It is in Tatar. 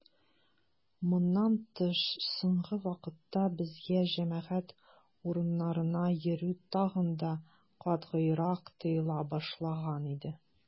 Моннан тыш, соңгы вакытта безгә җәмәгать урыннарына йөрү тагын да катгыйрак тыела башлаган иде.